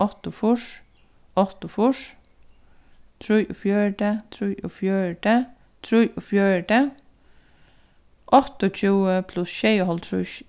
áttaogfýrs áttaogfýrs trýogfjøruti trýogfjøruti trýogfjøruti áttaogtjúgu pluss sjeyoghálvtrýss